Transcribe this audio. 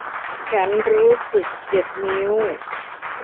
ฉันรู้สึกเจ็บนิ้ว